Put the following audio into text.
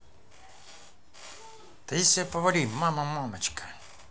таисия повалий мама мамочка